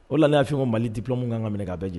O la n y'a fi o mali di plomu kan minɛ k a bɛ jɛ